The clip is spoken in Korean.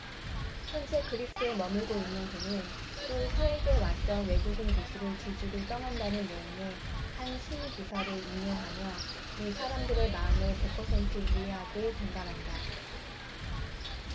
현재 그리스에 머물고 있는 그는 또 서울대 왔던 외국인 교수들 줄줄이 떠난다는 내용의 한 신문기사를 인용하며 이 사람들의 마음을 백 퍼센트 이해하고 동감한다